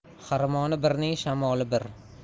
xirmoni birning shamoli bir